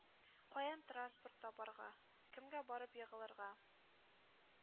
Каян транспорт табарга? Кемгә барып егылырга?